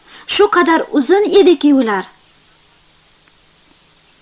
shu qadar uzun ediki ular